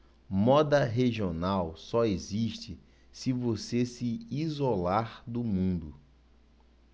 moda regional só existe se você se isolar do mundo